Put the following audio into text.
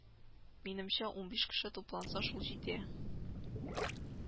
Минемчә, унбиш кеше тупланса, шул җитә